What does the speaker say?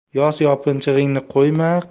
yoz yopinchig'ingni qo'yma